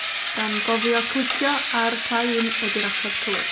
gan gofio clicio a'r pa un ydi'r ateb cywir.